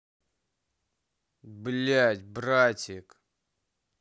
блядь братик